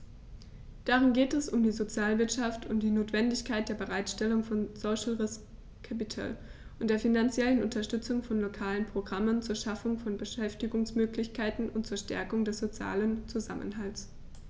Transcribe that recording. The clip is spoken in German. Darin geht es um die Sozialwirtschaft und die Notwendigkeit der Bereitstellung von "social risk capital" und der finanziellen Unterstützung von lokalen Programmen zur Schaffung von Beschäftigungsmöglichkeiten und zur Stärkung des sozialen Zusammenhalts.